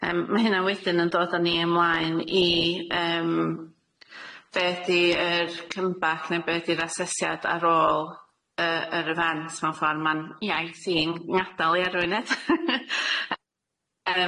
Yym ma' hynna wedyn yn dod a ni ymlaen i yym, be' ydi yr comeback ne' be' ydi'r asesiad ar ôl yy yr event mewn ffor ma'n iaith i'n ngadal i ar y funud yym ?